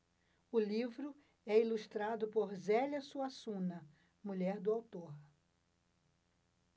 o livro é ilustrado por zélia suassuna mulher do autor